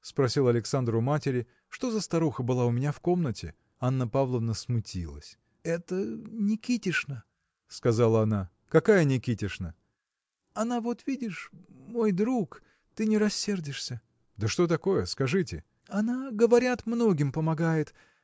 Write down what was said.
– спросил Александр у матери, – что за старуха была у меня в комнате? Анна Павловна смутилась. – Это. Никитишна, – сказала она. – Какая Никитишна? – Она, вот видишь, мой друг. ты не рассердишься? – Да что такое? скажите. – Она. говорят, многим помогает.